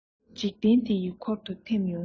འཇིག རྟེན འདི ཡི འཁོར དུ ཐིམ ཡོང ངོ